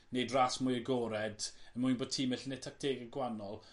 neud ras mwy agored er mwyn bo' tîm ellu neud tactege gwanol